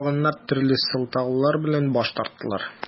Калганнар төрле сылтаулар белән баш тарттылар.